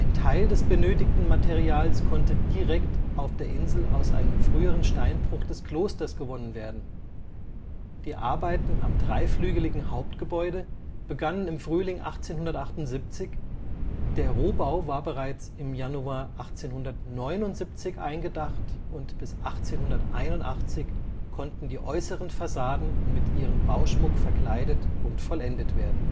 Teil des benötigten Materials konnte direkt auf der Insel aus einem früheren Steinbruch des Klosters gewonnen werden. Die Arbeiten am dreiflügeligen Hauptgebäude begannen im Frühling 1878, der Rohbau war bereits im Januar 1879 eingedacht und bis 1881 konnten die äußeren Fassaden mit ihrem Bauschmuck verkleidet und vollendet werden